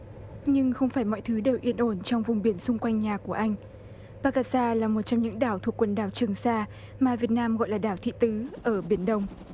nhưng không phải mọi thứ đều yên ổn trong vùng biển xung quanh nhà của anh pa ca xa là một trong những đảo thuộc quần đảo trường sa mà việt nam gọi là đảo thị tứ ở biển đông